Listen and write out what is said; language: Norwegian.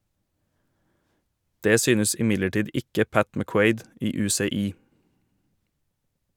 Det synes imidlertid ikke Pat McQuaid i UCI.